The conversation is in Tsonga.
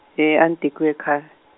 e a ni tekiwe kha.